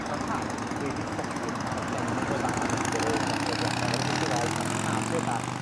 Ma' rhain wedi sychu'n arbennig o dda yn ystod yr wythnose dwetha. Fel allwch chi weld, ma'r hade bach